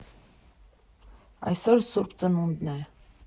Այսօր Սուրբ Ծնունդ է։